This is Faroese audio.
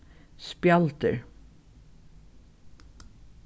spjaldur